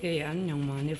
Ee a' ni ɲaŋuma ne f